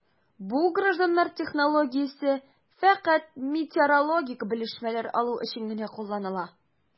Бу гражданнар технологиясе фәкать метеорологик белешмәләр алу өчен генә кулланыла...